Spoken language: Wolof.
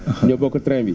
ñoo bokk train bi